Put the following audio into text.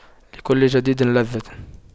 لكل جديد لذة